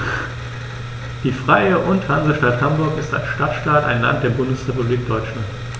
Die Freie und Hansestadt Hamburg ist als Stadtstaat ein Land der Bundesrepublik Deutschland.